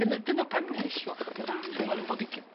Dyna dyna pam nesh i o... Dy fam di.